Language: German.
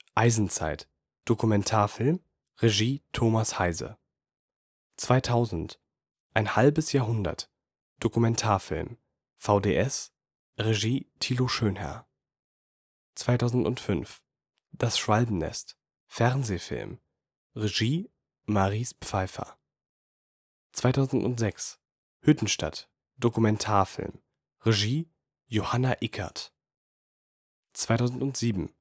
Eisenzeit (Dokumentarfilm, Regie: Thomas Heise) 2000: Ein halbes Jahrhundert (Dokumentarfilm, vds, Regie: Tilo Schönherr) 2005: Das Schwalbennest (Fernsehfilm, Regie: Maris Pfeiffer) 2006: Hüttenstadt (Dokumentarfilm, Regie: Johanna Ickert) 2007